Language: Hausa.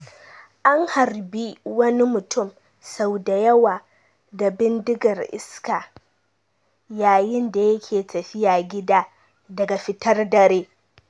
An harbi wani mutum sau da yawa da bindigar iska yayin da yake tafiya gida daga fitar dare.